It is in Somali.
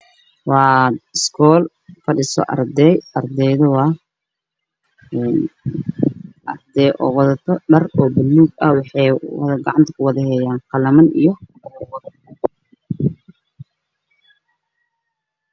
Waa iskool fadhiso arday wax ay qabaan dhar buluug ah waxay gacmah ku wataan qalimaan